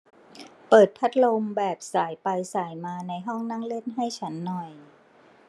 เปิดพัดลมแบบส่ายไปส่ายมาในห้องนั่งเล่นให้ฉันหน่อย